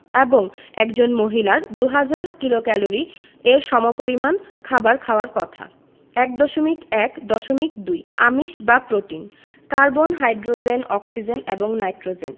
এবং একজন মহিলার ২০০০ কিলোক্যালরি এর সমপরিমান খাবার খাওয়ার কথা ১.১.২ আমিষ বা প্রোটিন কার্বন হাইড্রোজেন অক্সিজেন এবং নাইট্রোজেন